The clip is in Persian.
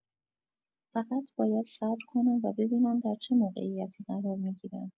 فقط باید صبر کنم و ببینم در چه موقعیتی قرار می‌گیرم.